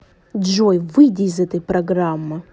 джой выйди из этой программы